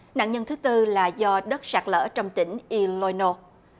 nạn nhân thứ tư là do đất sạt lở trong tỉnh y nôi nô